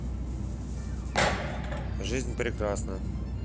жизнь прекрасна